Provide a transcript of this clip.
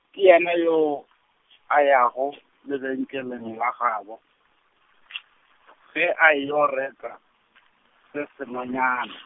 ke yena yoo, a yago , lebenkeleng la gabo , ge a yeo reka , se sengwenyana.